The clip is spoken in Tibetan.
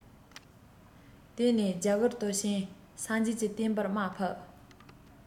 དེ ནས རྒྱ གར དུ ཕྱིན སངས རྒྱས ཀྱི བསྟན པར དམའ ཕབ